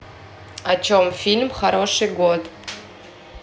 о чем фильм хороший год